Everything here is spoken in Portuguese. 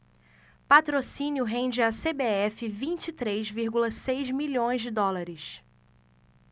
patrocínio rende à cbf vinte e três vírgula seis milhões de dólares